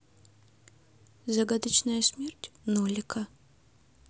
загадочная смерть нолика